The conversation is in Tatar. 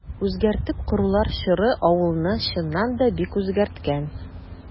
Үзгәртеп корулар чоры авылны, чыннан да, бик үзгәрткән.